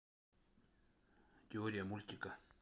теория мультика